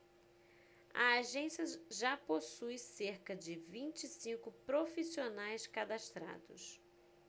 a agência já possui cerca de vinte e cinco profissionais cadastrados